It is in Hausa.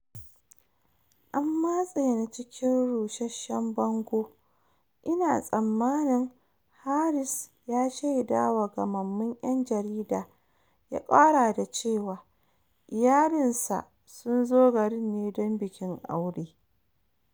An matse ni cikin rusasshen bango, ina tsammanin, "Haris ya shaidawa Gamammun yan Jarida, ya kara da cewa iyalinsa sun zo garin ne don bikin aure.